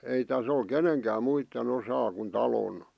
ei tässä ole kenenkään muiden osaa kuin talon